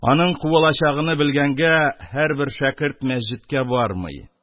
Аның куылачагыны белгәнгә, һәрбер шәкерт мәсҗедкә бармый,